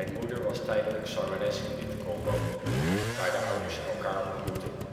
moeder was tijdelijk zangeres in dit combo, waar de ouders elkaar ontmoetten